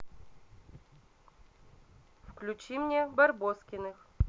включи мне барбоскиных